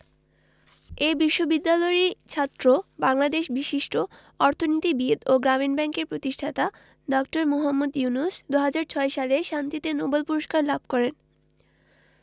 এ বিশ্ববিদ্যালয়েরই ছাত্র বাংলাদেশ বিশিষ্ট অর্থনীতিবিদ ও গ্রামীণ ব্যাংকের প্রতিষ্ঠাতা ড. মোহাম্মদ ইউনুস ২০০৬ সালে শান্তিতে নোবেল পূরস্কার লাভ করেন